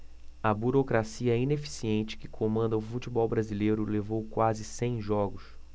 a burocracia ineficiente que comanda o futebol brasileiro levou quase cem jogos